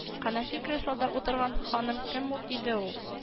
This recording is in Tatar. — кәнәфи-креслода утырган ханым кем иде ул